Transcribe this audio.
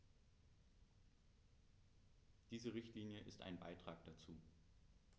Diese Richtlinie ist ein Beitrag dazu.